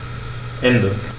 Ende.